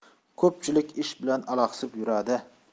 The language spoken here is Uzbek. ko'pchilik ish bilan alaxsib yuradi